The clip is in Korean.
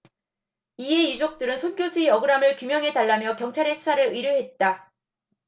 이에 유족들은 손 교수의 억울함을 규명해 달라며 경찰에 수사를 의뢰했다